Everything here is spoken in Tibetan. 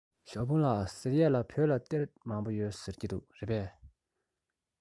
ཞའོ ཧྥུང ལགས ཟེར ཡས ལ བོད ལ གཏེར མང པོ ཡོད རེད ཟེར གྱིས རེད པས